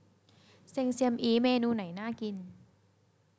เซงเซียมอี๊เมนูไหนน่ากิน